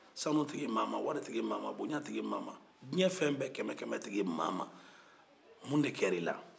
sanu tigi mama wari tigi mama bonya tigi mama diɲɛ fɛn bɛɛ kɛmɛ-kɛmɛ tigi mama munde kɛra i la